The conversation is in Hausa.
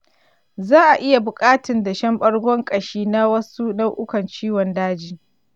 za'a iya buƙatan dashen ɓargon ƙashi ma wasu nau'ukan ciwon daji.